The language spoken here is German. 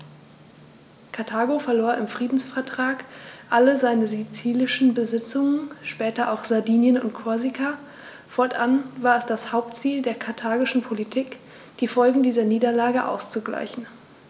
Karthago verlor im Friedensvertrag alle seine sizilischen Besitzungen (später auch Sardinien und Korsika); fortan war es das Hauptziel der karthagischen Politik, die Folgen dieser Niederlage auszugleichen.